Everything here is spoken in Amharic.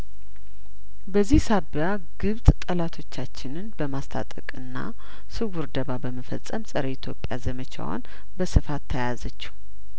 በዚህ ሳቢያግብጽ ጠላቶቻችንን በማስታጠቅና ስውር ደባ በመፈጸም ጸረ ኢትዮጵያዘመቻዋን በስፋት ተያያዘችው